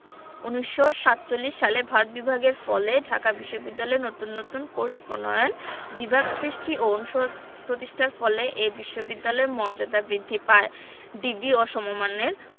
১৯৪৭ সালে ভারত বিভাগের ফলে ঢাকা বিশ্ববিদ্যালয়ে নতুন নতুন কোর্স প্রণয়ন বিভাগ সৃষ্টি ও অনুষদ প্রতিষ্ঠার ফলে এ বিশ্ববিদ্যালয়ের মর্যাদা বৃদ্ধি পায় ডিগ্রি ও সমমানের